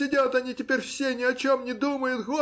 Сидят они теперь все, ни о чем не думают.